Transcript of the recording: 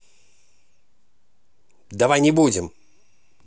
давай не будем